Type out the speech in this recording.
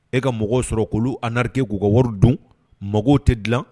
E ka mɔgɔw sɔrɔ k'olu a arnaqué k'u ka wari dun, magow tɛ dilan